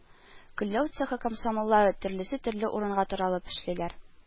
Көлләү цехы комсомоллары төрлесе төрле урынга таралып эшлиләр